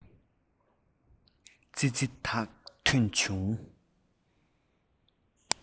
ཙི ཙི དག ཐོན བྱུང